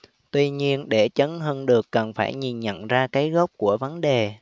tuy nhiên để chấn hưng được cần phải nhìn nhận ra cái gốc của vấn đề